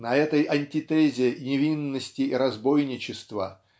На этой антитезе невинности и разбойничества